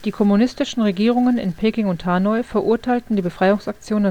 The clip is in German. kommunistischen Regierungen in Peking und Hanoi verurteilten die Befreiungsaktion